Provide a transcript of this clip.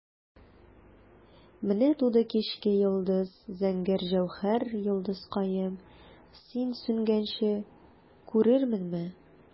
Менә туды кичке йолдыз, зәңгәр җәүһәр, йолдызкаем, син сүнгәнче күрерменме?